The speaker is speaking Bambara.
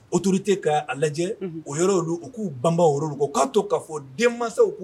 Otourute k'a lajɛ o yɔrɔolu u k'u banba ko o k'a to k'a fɔ den mansaw